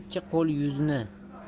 ikki qo'l yuzni